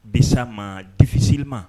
Bisa ma difisi ma